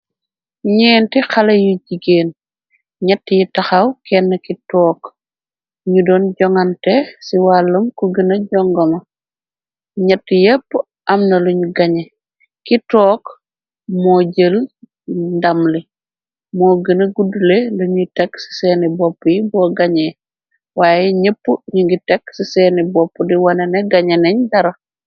Nyeenti xale yu jigeen ñyetti yi taxaw kenn ki took ñu doon joŋante ci wàllam ko gëna jongama ñett yépp amna luñu gañe ki took moo jël ndamli moo gëna guddule luñuy tekk ci seeni bopp yi boo gañee waye ñepp ñu ngi tekk ci seeni bopp di wanane gañe nañ dara.